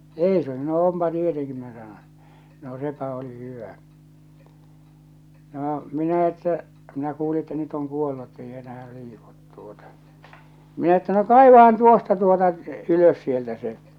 eikö sanoi onpa tietenkin minä sanon no sepä oli hyvä no minä että minä kuulin että nyt on kuollut että ei enää liiku tuota minä että no kaivahan tuosta tuota ylös sieltä se